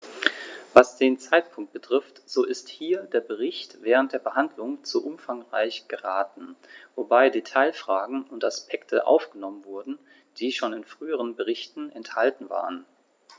Was den Zeitpunkt betrifft, so ist hier der Bericht während der Behandlung zu umfangreich geraten, wobei Detailfragen und Aspekte aufgenommen wurden, die schon in früheren Berichten enthalten waren.